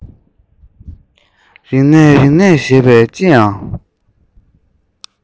རིག གནས རིག གནས ཞེས པའི ལྕི ཡང